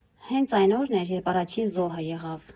Հենց այն օրն էր, երբ առաջին զոհը եղավ։